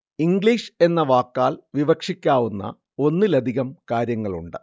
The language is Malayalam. ഇംഗ്ലീഷ് എന്ന വാക്കാൽ വിവക്ഷിക്കാവുന്ന ഒന്നിലധികം കാര്യങ്ങളുണ്ട്